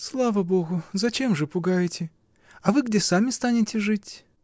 — Слава Богу: зачем же пугаете? А вы где сами станете жить?